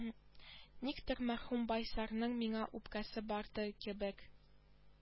Никтер мәрхүм байсарның миңа үпкәсе бардыр кебек